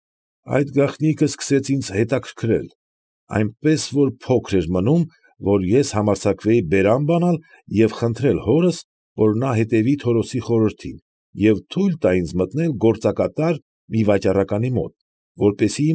Այդ գաղտնիքը սկսեց ինձ խիստ հետաքրքրել, այնպես որ փոքր էր մնում, որ ես համարձակվեի բերան բանալ և խնդրել հորս, որ նա հետևի Թորոսի խորհրդին և թույլ տա ինձ մտնել գործակատար մի վաճառականի մոտ, որպեսզի։